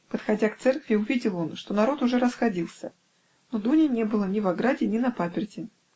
Подходя к церкви, увидел он, что народ уже расходился, но Дуни не было ни в ограде, ни на паперти.